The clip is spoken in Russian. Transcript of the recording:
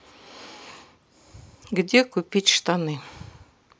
где купить штаны